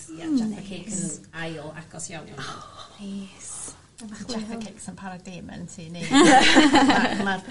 Jaffa cake yn ail agos iawn i wnna. Neis. Ma jaffa cakes yn para dim yn tŷ ni.